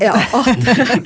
ja .